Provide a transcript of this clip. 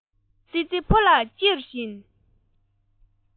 ཙི ཙི ཕོ ལ ཅེར བཞིན